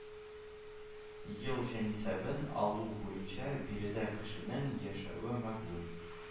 Ел җанисәбен алу буенча биредә кешенең яшәве мәгълүм